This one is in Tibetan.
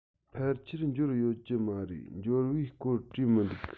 ཕལ ཆེར འབྱོར ཡོད ཀྱི མ རེད འབྱོར བའི སྐོར བྲིས མི འདུག